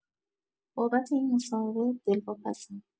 بابت این مصاحبه دلواپسم.